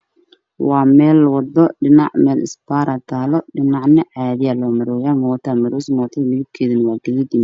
Meeshaan waa laami waxaa ii muuqdo bajaaj guduudan oo mareyso waxaa kaloo ii muuqda guryo